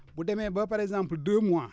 bu demee ba par exemple deux mois